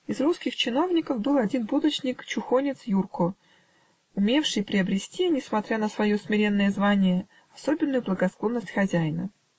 Из русских чиновников был один будочник, чухонец Юрко, умевший приобрести, несмотря на свое смиренное звание, особенную благосклонность хозяина.